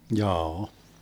jaa